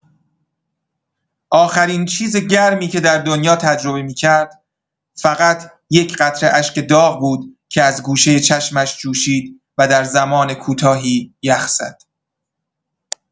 آخرین چیز گرمی که در دنیا تجربه می‌کرد، فقط یک قطره اشک داغ بود که از گوشه چشمش جوشید و در زمان کوتاهی یخ زد.